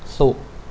ศุกร์